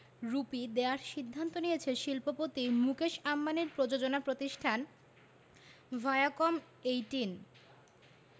rupee দেওয়ার সিদ্ধান্ত নিয়েছে শিল্পপতি মুকেশ আম্বানির প্রযোজনা প্রতিষ্ঠান ভায়াকম এইটিন